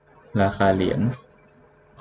ราคาเหรียญ